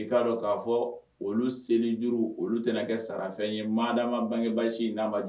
I'a dɔn k'a fɔ olu seli duuru olu tɛ kɛ sarafɛn ye maada ma bange basi si n'a ma